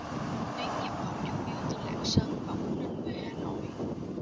tuyến nhập khẩu chủ yếu từ lạng sơn và quảng ninh về hà nội